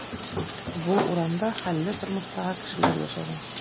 Бу урамда хәлле тормыштагы кешеләр яшәгән.